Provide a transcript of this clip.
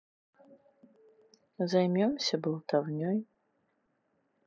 займемся болтовней